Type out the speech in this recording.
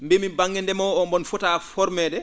mbiimi ba?nge ndemoowo oo mbonin fotaa formé de